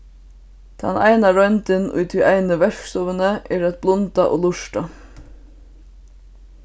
tann eina royndin í tí eini verkstovuni er at blunda og lurta